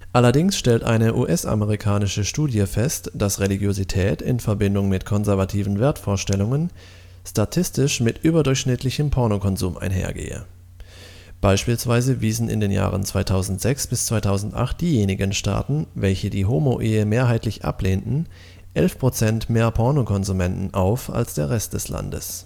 stellte eine US-amerikanische Studie fest, dass Religiosität in Verbindung mit konservativen Wertvorstellungen statistisch mit überdurchschnittlichem Pornokonsum einhergehe. Beispielsweise wiesen in den Jahren 2006-2008 diejenigen Staaten, welche die Homo-Ehe mehrheitlich ablehnten, " 11 Prozent mehr Porno-Konsumenten auf als der Rest des Landes